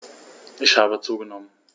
Ich habe zugenommen.